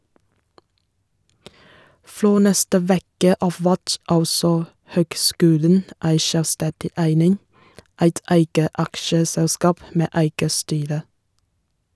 Frå neste veke av vert altså høgskulen ei sjølvstendig eining, eit eige aksjeselskap med eige styre.